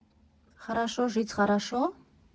Խառաշո ժիծ խառաշո՞։